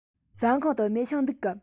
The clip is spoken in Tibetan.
ཟ ཁང དུ མེ ཤིང འདུག གམ